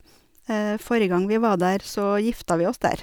Forrige gang vi var der, så gifta vi oss der.